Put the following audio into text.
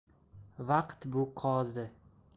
vaqt qozi